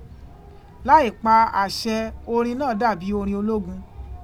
Láì pa àṣẹ orin náà dàbí orin ológun.